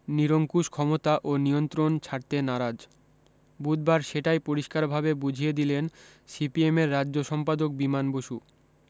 নিরঙ্কুশ ক্ষমতা ও নিয়ন্ত্রণ ছাড়তে নারাজ বুধবার সেটাই পরিষ্কারভাবে বুঝিয়ে দিলেন সিপিএমের রাজ্য সম্পাদক বিমান বসু